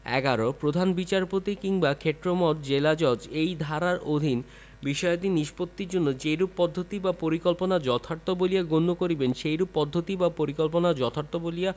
১১ প্রধান বিচারপতি কিংবা ক্ষেত্রমত জেলাজজ এই ধারার অধীন বিষয়াদি নিষ্পত্তির জন্য যেইরূপ পদ্ধতি বা পরিকল্পনা যথার্থ বলিয়া গণ্য করিবেন সেইরূপ পদ্ধতি বা পরিকল্পনা যথার্থ বলিয়া